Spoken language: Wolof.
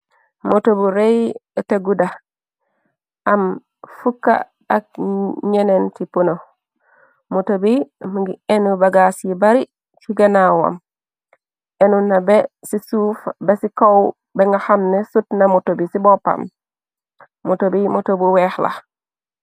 moto bu rëy teguda am fukk ak ñenen ti puno moto bi ngi enu bagaas yi bari ci gënawam enu na be ci suuf ba ci kow ba nga xamne sut na moto bi ci boppam moto bi moto bu weex la